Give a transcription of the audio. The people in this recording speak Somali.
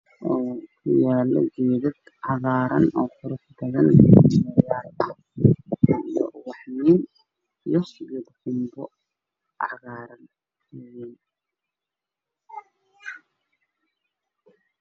Waa meel maqaayad waxaa ka hor baxaayo geedo qurux badan idinka xaga waana geedo timir ah